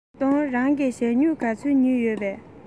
ཞའོ ཏུང རང གིས ཞྭ སྨྱུག ག ཚོད ཉོས ཡོད པས